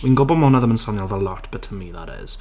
Dwi'n gwbod ma' hwnna ddim yn swnio fel lot but to me that is.